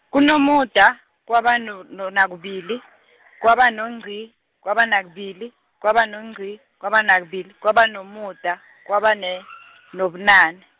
kunomuda, kwabano- no- nabanakubili, kwabanongqi, kwabanakubili, kwabanongqi, kwabanakubili, kwabanomuda, kwabane nobunane.